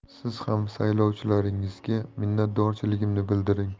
siz ham saylovchilaringizga minnatdorchiligimni bildiring